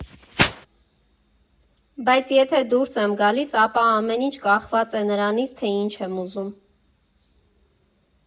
Բայց եթե դուրս եմ գալիս, ապա ամեն ինչ կախված է նրանից, թե ինչ եմ ուզում։